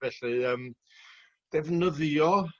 Felly yym defnyddio